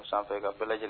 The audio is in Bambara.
Sanfɛ ka bɛɛ lajɛL